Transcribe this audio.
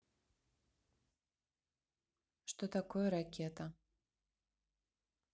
что такое ракета